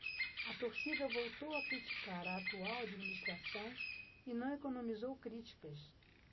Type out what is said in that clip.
a torcida voltou a criticar a atual administração e não economizou críticas